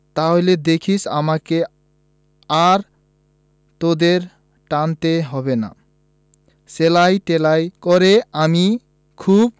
তাহলে দেখিস আমাকে আর তোদের টানতে হবে না সেলাই টেলাই করে আমি খুব